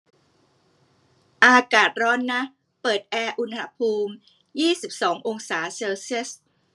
อากาศร้อนนะเปิดแอร์อุณหภูมิยี่สิบสององศาเซลเซียส